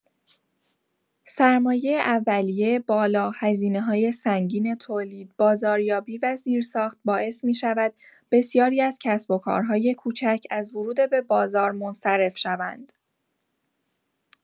سرمایه اولیه بالا، هزینه‌های سنگین تولید، بازاریابی و زیرساخت باعث می‌شود بسیاری از کسب‌وکارهای کوچک از ورود به بازار منصرف شوند.